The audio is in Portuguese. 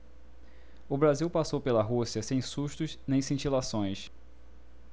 o brasil passou pela rússia sem sustos nem cintilações